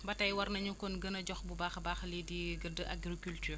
ba tey war nañu kon gën a jox bu baax a baax lii di gëdd agriculture